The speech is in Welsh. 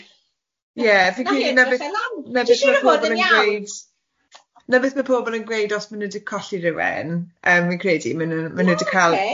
Ie fi'n credu na beth na beth ma' pobl yn gweud, na beth ma' pobl yn gweud os ma' nhw wedi colli rywun yym fi'n credu ma' nhw ma' nhw wedi cal... Oh ok.